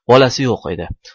bolasi yo'q edi